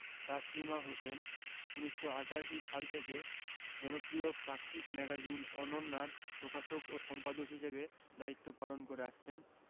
তাসমিমা হোসেন ১৯৮৮ সাল থেকে জনপ্রিয় পাক্ষিক ম্যাগাজিন অনন্যা র প্রকাশক ও সম্পাদক হিসেবে দায়িত্ব পালন করে আসছেন